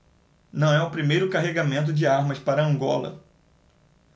não é o primeiro carregamento de armas para angola